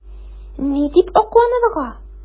Ни дип акланырга?